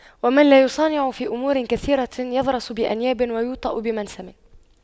ومن لا يصانع في أمور كثيرة يضرس بأنياب ويوطأ بمنسم